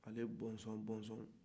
ale bɔnsɔn-bɔnsɔnw